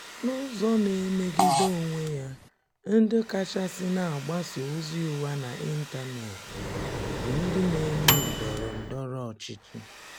N'ụzọ na-emegide onwe ya, ndị kachasị na-agbasa ozi ụgha n'ịntaneetị bụ ndị na-eme ndọrọ ndọrọ ọchịchị.